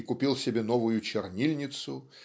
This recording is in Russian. и купил себе новую чернильницу